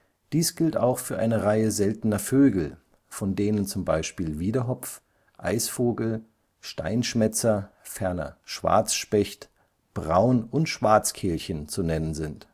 Dies gilt auch für eine Reihe seltener Vögel, von denen z. B. Wiedehopf, Eisvogel, Steinschmätzer, ferner Schwarzspecht, Braun - und Schwarzkehlchen zu nennen sind